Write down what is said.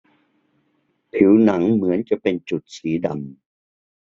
ผิวหนังเหมือนจะเป็นจุดสีดำ